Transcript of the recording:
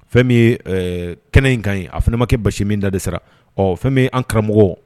Fɛn min ye kɛnɛ in ka ɲi ye a fana ne ma kɛ basi min da de sara ɔ fɛn min bɛ an karamɔgɔ